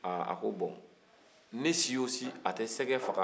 ah a ko bon ne si o si a tɛ sɛgɛ faga